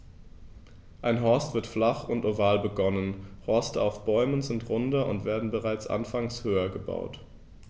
Ein Horst wird flach und oval begonnen, Horste auf Bäumen sind runder und werden bereits anfangs höher gebaut.